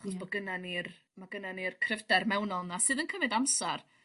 bo' gynna ni'r ma' gynna ni'r cryfder mewnol 'na sydd yn cymyd amser